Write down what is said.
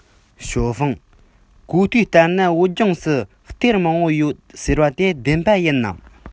ཞའོ ཧྥུང གོ ཐོས ལྟར ན བོད ལྗོངས སུ གཏེར མང པོ ཡོད ཟེར བ དེ བདེན པ ཡིན ནམ